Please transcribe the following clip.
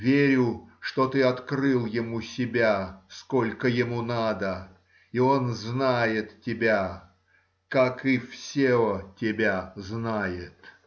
верю, что ты открыл ему себя, сколько ему надо, и он знает тебя, как и все тебя знает